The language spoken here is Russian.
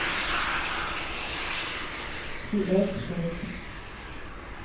cs шесть